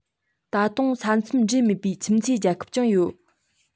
ད དུང ས མཚམས འབྲེལ མེད པའི ཁྱིམ མཚེས རྒྱལ ཁབ ཀྱང ཡོད